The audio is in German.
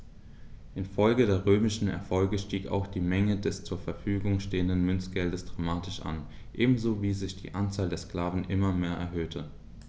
Infolge der römischen Erfolge stieg auch die Menge des zur Verfügung stehenden Münzgeldes dramatisch an, ebenso wie sich die Anzahl der Sklaven immer mehr erhöhte.